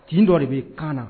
Fini dɔ de bɛ yen , kaana